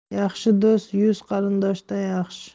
yaxshi do'st yuz qarindoshdan yaxshi